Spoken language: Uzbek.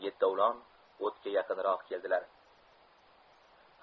yetovlon o'tga yaqinroq keldilar